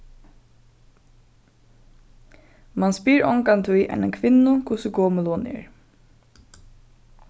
mann spyr ongantíð eina kvinnu hvussu gomul hon er